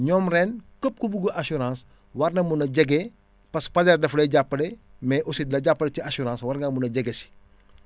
ñoom ren képp ku bugg assurance war na mun a jege parce que Pader daf lay jàppale mais aussi di la jàppale ci assurance war ngaa mun a jege si